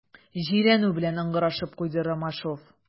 Җирәнү белән ыңгырашып куйды Ромашов.